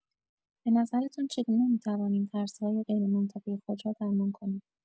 به نظرتان چگونه می‌توانیم ترس‌های غیرمنطقی خود را درمان کنیم؟